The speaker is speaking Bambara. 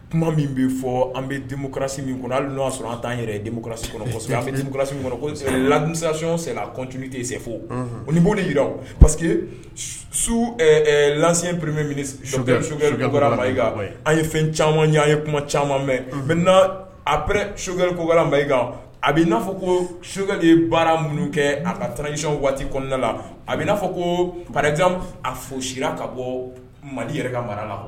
Kuma min bɛ fɔ an bɛsi min kɔnɔ hali'a sɔrɔ an'an yɛrɛmusi kɔnɔ an bɛsi kɔnɔ lancyɔnt tɛ sefo ni b'o yi parce que sulansiyɛn pree sokɛ an ye fɛn caman an ye kuma caman mɛ mɛ aɛ sokɛri ko ma i a bɛ n'a fɔ ko sokɛli baara minnu kɛ a ka taasicɔn waati kɔnɔnada la a bɛ n'a fɔ ko farajan a fɔ sira ka bɔ malidi yɛrɛ mara la